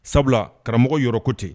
Sabula karamɔgɔ yɔrɔ ko ten